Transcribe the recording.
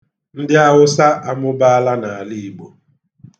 Ndị Awụsa amụbaala n'ala Igbo.